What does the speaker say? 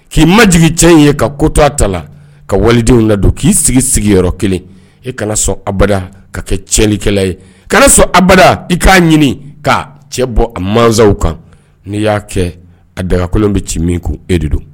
K'i ma jigin cɛ in ye ka kota a ta la ka walidenw la don k'i sigi sigiyɔrɔ yɔrɔ kelen e kana sɔn aba ka kɛ cɛlikɛla ye k sɔn aba i k'a ɲini ka cɛ bɔ a maw kan n'i y'a kɛ a dagakolon bɛ ci min kan e de don